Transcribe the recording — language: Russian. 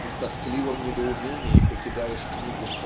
и в тоскливом недоумении покидаешь книгу